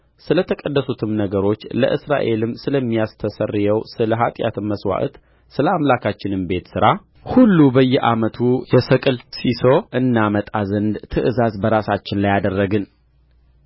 ስለ ተቀደሱትም ነገሮች ለእስራኤልም ስለሚያስተሰርየው ስለ ኃጢአት መሥዋዕት ስለ አምላካችንም ቤት ሥራ ሁሉ በየዓመቱ የሰቅል ሢሶ እናመጣ ዘንድ ትእዛዝ በራሳችን ላይ አደረግን